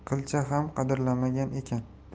uni qilcha ham qadrlamagan ekan